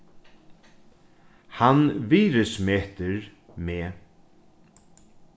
hann virðismetir meg